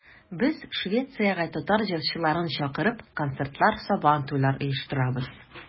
Без, Швециягә татар җырчыларын чакырып, концертлар, Сабантуйлар оештырабыз.